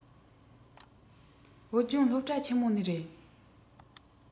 བོད ལྗོངས སློབ གྲྭ ཆེན མོ ནས རེད